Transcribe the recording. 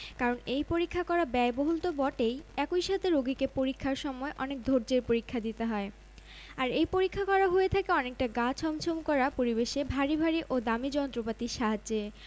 কারণ প্রায় নাটকেই দেখা যায় গল্প ঠিক থাকে না শুরুর দিকে কিছুটা ঠিক থাকলেও শেষের দিকে গল্প ঝুলে যায় কিংবা সাবজেক্টের বাইরে চলে যায় তাই পুরো স্ক্রিপ্ট হাতে না পেলে এবং নাটকের সর্বশেষ অবস্থা কী থাকছে